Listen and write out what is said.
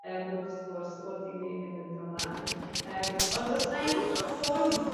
y blwch sgwrs wrth i mi fynd yn fy mlan yym ond os nâi sôn